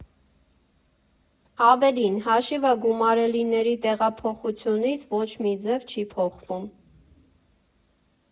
Ավելին՝ հաշիվը գումարելիների տեղափոխությունից ոչ մի ձև չի փոխվում։